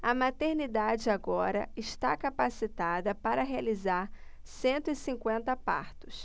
a maternidade agora está capacitada para realizar cento e cinquenta partos